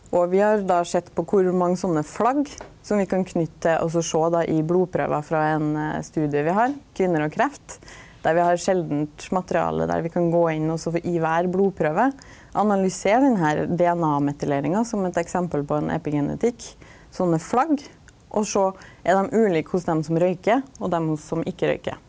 og vi har då sett på kor mange sånne flagg som vi kan knyta til, og så sjå då i blodprøver frå ein studie vi har, Kvinner og kreft, der vi har sjeldan materiale der vi kan gå inn og så i kvar blodprøve analysera den her DNA-metyleringa som eit eksempel på ein epigenetikk, sånne flagg, og sjå er dei ulik hos dei som røyker og dei som ikkje røykjer.